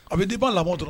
A bɛ diba labanbɔ dɔrɔn